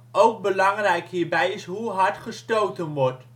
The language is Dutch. Ook belangrijk hierbij is hoe hard gestoten wordt